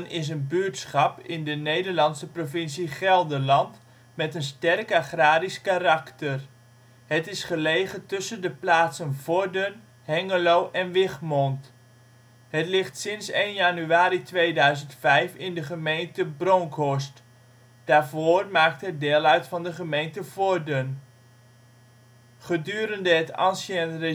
is een buurtschap in de Nederlandse provincie Gelderland met een sterk agrarisch karakter. Het is gelegen tussen de plaatsen Vorden, Hengelo en Wichmond. Het ligt sinds 1 januari 2005 in de gemeente Bronckhorst. Daarvoor maakte het deel uit van de gemeente Vorden. Gedurende het Ancien